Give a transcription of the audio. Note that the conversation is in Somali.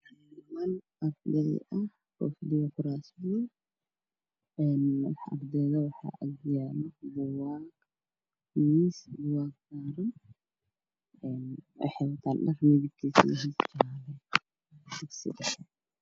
Waa arday oo joogaan iskuul waxay wataan shaatiyo jaalo ah kuraas jaal ayey ku fadhiyaan